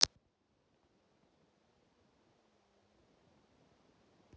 мультик покемоны